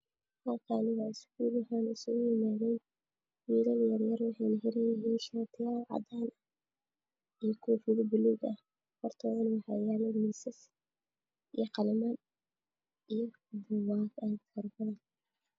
Halkan waa iskuul Y joogan arday yar yar